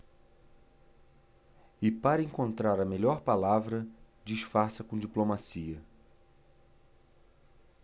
é para encontrar a melhor palavra disfarça com diplomacia